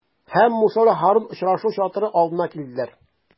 Һәм Муса белән Һарун очрашу чатыры алдына килделәр.